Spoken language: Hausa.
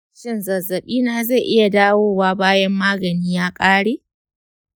shin zazzabina zai iya dawowa bayan magani ya ƙare?